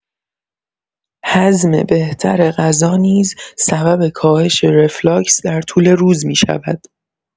هضم بهتر غذا نیز سبب کاهش ریفلاکس در طول روز می‌شود.